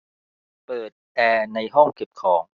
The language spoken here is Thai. เปิดแอร์ในห้องเก็บของ